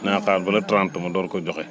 naa xaar ba le trente ma door ko joxe